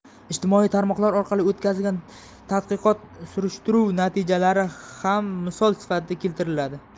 ijtimoiy tarmog'lar orqali o'tkazilgan tadqiqot surishtiruv natijalari ham misol sifatida keltiriladi